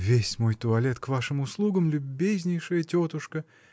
-- Весь мой туалет к вашим услугам, любезнейшая тетушка.